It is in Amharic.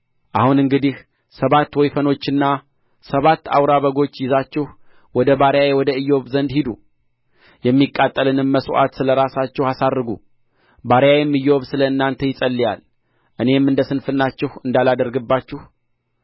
አሁን እንግዲህ ሰባት ወይፈኖችና ሰባት አውራ በጎች ይዛችሁ ወደ ባሪያዬ ወደ ኢዮብ ዘንድ ሂዱ የሚቃጠልንም መሥዋዕት ስለ ራሳችሁ አሳርጉ ባሪያዬም ኢዮብ ስለ እናንተ ይጸልያል እኔም እንደ ስንፍናችሁ እንዳላደርግባችሁ